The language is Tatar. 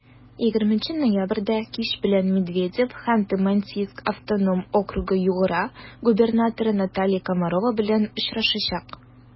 20 ноябрьдә кич белән медведев ханты-мансийск автоном округы-югра губернаторы наталья комарова белән очрашачак.